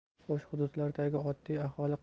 xo'sh hududlardagi oddiy aholi